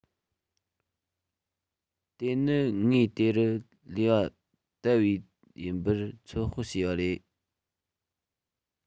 དེ ནི ངོས དེ རུ ལས པ དལ པའི ཡིན པར ཚོད དཔག བྱས པ རེད